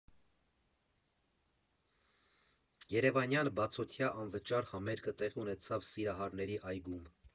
Երևանյան բացօթյա անվճար համերգը տեղի ունեցավ Սիրահարների այգում։